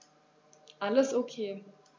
Alles OK.